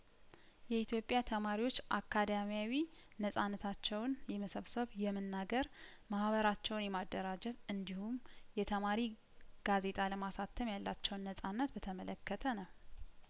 የኢትዮጵያ ተማሪዎች አካዳሚያዊ ነጻነታቸውን የመሰብሰብ የመናገር ማህበራቸውን የማደራጀት እንዲሁም የተማሪ ጋዜጣ ለማሳተም ያላቸውን ነጻነት በተመለከተ ነው